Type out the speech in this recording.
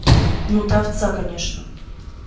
ну ты овца конечно